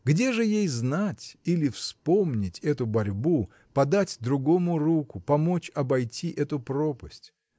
Где же ей знать или вспомнить эту борьбу, подать другому руку, помочь обойти эту пропасть?